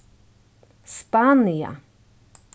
spania